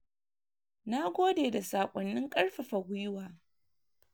Na gode da sakwannin karfafa gwiwar!”